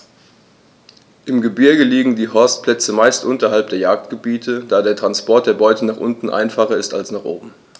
Im Gebirge liegen die Horstplätze meist unterhalb der Jagdgebiete, da der Transport der Beute nach unten einfacher ist als nach oben.